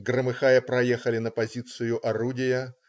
Громыхая, проехали на позицию орудия.